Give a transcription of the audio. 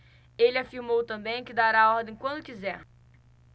ele afirmou também que dará a ordem quando quiser